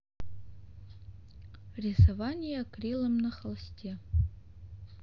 рисование акрилом на холсте